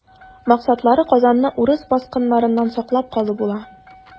Максатлары Казанны урыс баскыннарыннан саклап калу була.